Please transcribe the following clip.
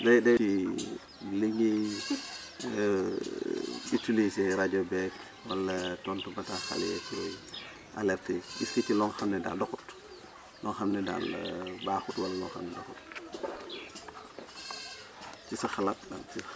léeg-léeg ni ñuy utilisé rajo beeg wala tontu battaaxal yeeg yooyu alertes yi gis nga si loo xam ne daal doxul loo xam ne daal baaxul wala loo xam ne doxul ci sa xalaat daal